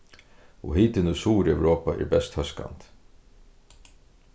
og hitin í suðureuropa er best hóskandi